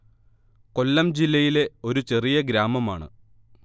കൊല്ലം ജില്ലയിലെ ഒരു ചെറിയ ഗ്രാമമാണ്